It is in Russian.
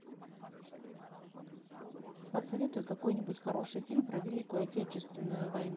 посоветуй какой нибудь хороший фильм про великую отечественную войну